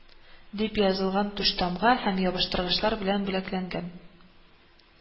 Дип язылган түштамга һәм ябыштыргычлар белән бүләкләнгән